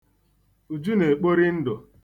Uju na-ekpori ndụ.